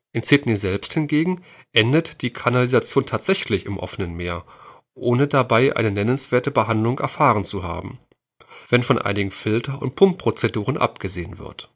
In Sydney selbst hingegen endet die Kanalisation tatsächlich im offenen Meer, ohne dabei eine nennenswerte Behandlung erfahren zu haben, wenn von einigen Filter - und Pumpprozeduren abgesehen wird